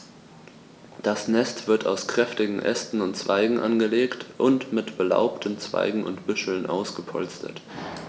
Das Nest wird aus kräftigen Ästen und Zweigen angelegt und mit belaubten Zweigen und Büscheln ausgepolstert.